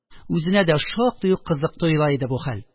Үзенә дә шактый ук кызык тоела иде бу хәл: